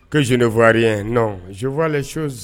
Ko zeffaware ye nɔn zffaare so